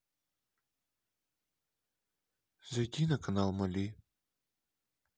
зайди на канал мали